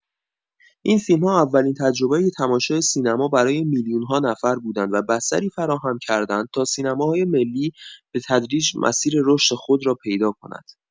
این فیلم‌ها اولین تجربه تماشای سینما برای میلیون‌ها نفر بودند و بستری فراهم کردند تا سینمای ملی به‌تدریج مسیر رشد خود را پیدا کند.